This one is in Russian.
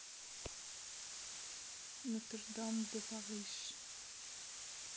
notre dame de paris